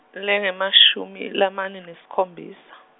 lengemashumi lamane nesikhombisa.